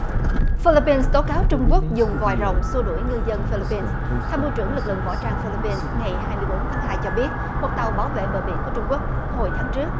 phơ lớp pin tố cáo trung quốc dùng vòi rồng xua đuổi ngư dân phơ lớp pin tham mưu trưởng lực lượng võ trang phơ lớp pin ngày hai mươi bốn tháng hai cho biết một tàu bảo vệ bờ biển của trung quốc hồi tháng trước